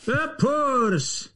Y Pwrs!